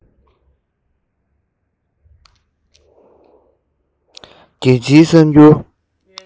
རྒྱལ སྤྱིའི གསར འགྱུར